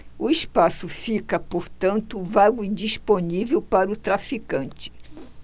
o espaço fica portanto vago e disponível para o traficante